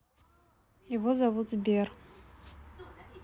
его зовут сбер